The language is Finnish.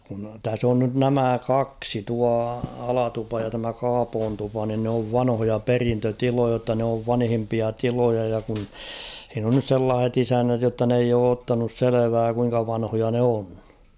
kun tässä on nyt nämä kaksi tuo Alatupa ja tämä Kaapontupa niin ne on vanhoja perintötiloja jotta ne on vanhimpia tiloja ja kun siinä on nyt sellaiset isännät jotta ne ei ole ottanut selvää kuinka vanhoja ne on